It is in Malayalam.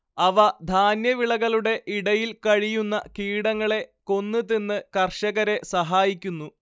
അവ ധാന്യവിളകളുടെ ഇടയിൽ കഴിയുന്ന കീടങ്ങളെ കൊന്ന് തിന്ന് കർഷകരെ സഹായിക്കുന്നു